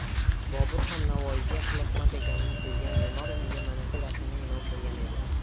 bobur ham navoiyga ixlosmand ekanini sezgan memor unga mana shu rasmni inom qilgan edi